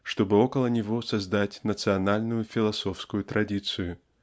чтобы около него создать национальную философскую традицию .